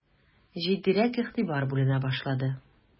Җитдирәк игътибар бүленә башлады.